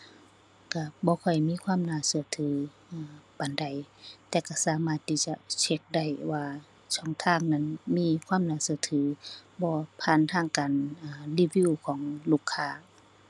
ก็บ่ค่อยมีความน่าก็ถือ อือ ปานใด แต่ก็สามารถที่จะเช็กได้ว่าก็ทางนั้นมีความน่าก็ถือบ่ ผ่านทางการ อ่า รีวิวของลูกค้า